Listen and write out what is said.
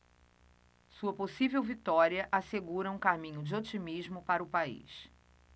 sua possível vitória assegura um caminho de otimismo para o país